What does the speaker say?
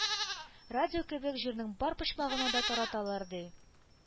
Радио кебек, җирнең бар почмагына да тараталар, ди.